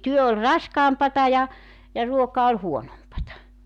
työ oli raskaampaa ja ja ruoka oli huonompaa